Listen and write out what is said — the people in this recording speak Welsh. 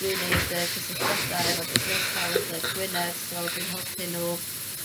... dwi'n neud y cysylltiada efo busnesa' ledled Gwynedd so dwi'n helpu n'w